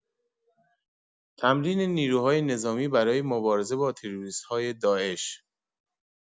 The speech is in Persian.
تمرین نیروهای نظامی برای مبارزه با تروریست‌های داعش